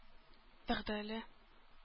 Вәгъдәле